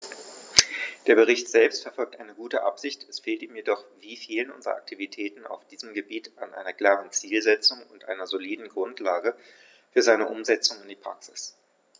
Der Bericht selbst verfolgt eine gute Absicht, es fehlt ihm jedoch wie vielen unserer Aktivitäten auf diesem Gebiet an einer klaren Zielsetzung und einer soliden Grundlage für seine Umsetzung in die Praxis.